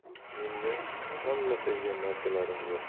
menda hamma sevgan narsalarim yo'q